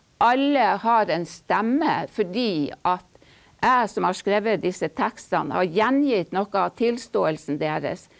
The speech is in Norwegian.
alle har en stemme fordi at jeg som har skrevet disse tekstene har gjengitt noe av tilståelsen deres.